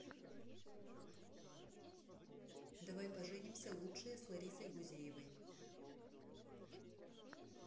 давай поженимся лучшее с ларисой гузеевой